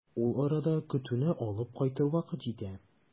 Ул арада көтүне алып кайтыр вакыт җитә.